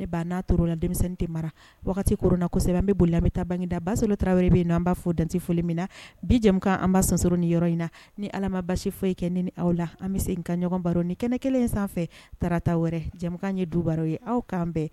Ne ba n'a tora'o la denmisɛnnin tɛ mara wagati koronna kosɛbɛ an bɛ boli an bɛ ta bangginda Basolo tarawelew b'a fo dan tɛ foli min na bij jɛmuakan an ba sonsɔrɔ ni yɔrɔ in na ni allah ma basisi foyi kɛ, ne ni aw la, an bɛ segin ka na ɲɔgɔn baro ni kɛnɛ kelen in sanfɛ tarata wɛrɛ jɛmukan ye du baro Aaw k'an bɛn